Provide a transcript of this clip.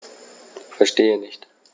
Verstehe nicht.